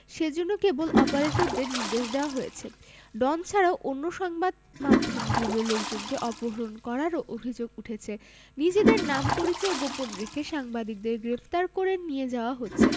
সেজন্যে কেবল অপারেটরদের নির্দেশ দেওয়া হয়েছে ডন ছাড়াও অন্য সংবাদ মাধ্যমগুলোর লোকজনকে অপহরণ করারও অভিযোগ উঠেছে নিজেদের নাম পরিচয় গোপন রেখে সাংবাদিকদের গ্রেপ্তার করে নিয়ে যাওয়া হচ্ছে